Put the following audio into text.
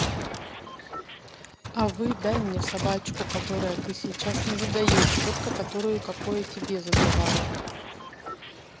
а вы дай мне собачку которая ты сейчас не задают только которую какое тебе задавала